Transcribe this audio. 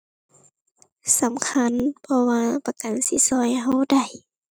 สำคัญ เพราะว่าประกันสิช่วยช่วยได้